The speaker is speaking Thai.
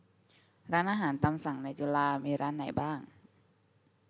ร้านอาหารตามสั่งในจุฬามีร้านไหนบ้าง